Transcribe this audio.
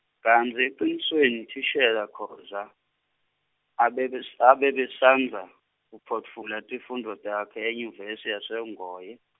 kantsi ecinisweni thishela Khoza abebes- abebasandza kuphotfula tifundvo takhe enyuvesi yase-Ongoye.